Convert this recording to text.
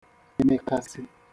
mekasi